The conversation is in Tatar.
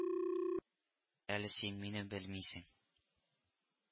Әле син мине белмисең…